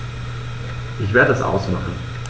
Ich werde es ausmachen